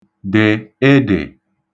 dè (edè)